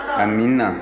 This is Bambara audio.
amiina